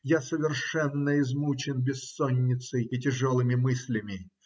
Я совершенно измучен бессонницей и тяжелыми мыслями.